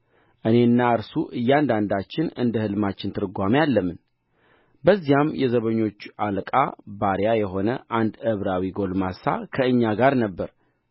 እኔና እርሱ እያንዳንዳችን እንደ ሕልማችን ትርጓሜ አለምን በዚያም የዘበኞቹ አለቃ ባሪያ የሆነ አንድ ዕብራዊ ጕልማሳ ከእኛ ጋር ነበረ